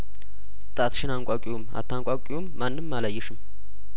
ጣትሽን አንቋቂውም አታንቋቂውም ማንም አላየሽም